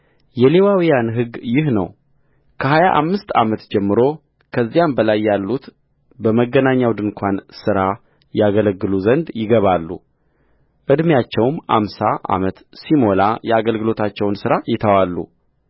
የሌዋውያን ሕግ ይህ ነው ከሀያ አምስት ዓመት ጀምሮ ከዚያም በላይ ያሉት በመገናኛው ድንኳን ሥራ ያገለግሉ ዘንድ ይገባሉዕድሜአቸውም አምሳ ዓመት ሲሞላ የአገልግሎታቸውን ሥራ ይተዋሉ